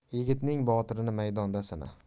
yigitning botirini maydonda sina